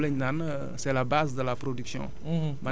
moom la ñu naan c' est la base de la production